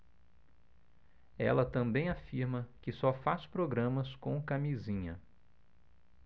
ela também afirma que só faz programas com camisinha